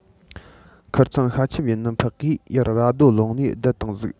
ཁིར ཚང ཤབ ཁྱུ ཡིན ནཕ གིས ཡར ར རྡོ ལུང ནས བསྡད བཏང ཟིག